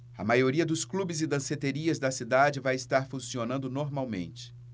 a maioria dos clubes e danceterias da cidade vai estar funcionando normalmente